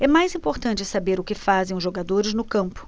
é mais importante saber o que fazem os jogadores no campo